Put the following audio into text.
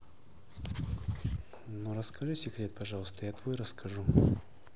ну расскажи секрет пожалуйста я твой расскажу